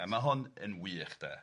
A ma' hwn yn wych, 'de.